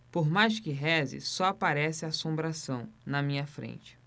por mais que reze só aparece assombração na minha frente